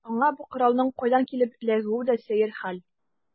Аңа бу коралның кайдан килеп эләгүе дә сәер хәл.